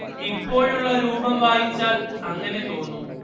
ഇപ്പോഴുള്ള രൂപം വായിച്ചാൽ അങ്ങനെ തോന്നും